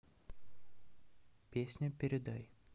песня передай